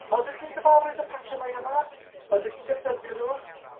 Odych chi'n gyfarwydd â patrymau yma? Odych chi'n defnyddio nw?